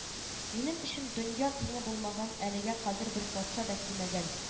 — минем өчен дөнья тиңе булмаган, әлегә кадәр бер патша да кимәгән